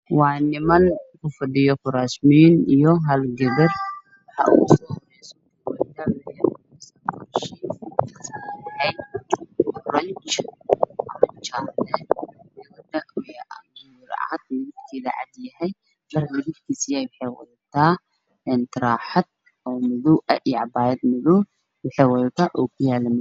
Waa niman ku fadhiyo kuraasmiin iyo hal gabar oo ugu soo horeeso oranji jaalle cad midabkeeda cad yahay dhar midabkiisu yahay waxay watadaa taraaxad madow ah iyo cabaayad madow waxay watadaa ookiyaalo.